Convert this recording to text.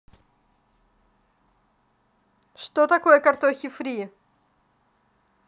что такое картохи фри